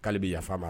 K' ale bɛ yafa ma